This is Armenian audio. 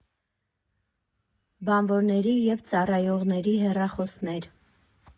Բանվորների և ծառայողների հեռախոսներ.